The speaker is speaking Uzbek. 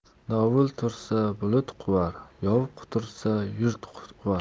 dovul tursa bulut quvar yov qutursa yurt quvar